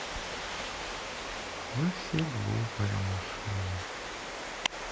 вы все глупые машины